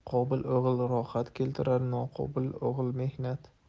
qobil o'g'il rohat keltirar noqobil o'g'il mehnat